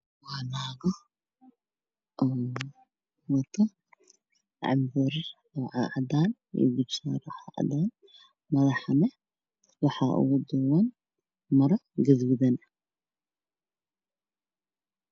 Waa naga oo wataan cambuur cadaan waxaa ugu xiran maro guduudan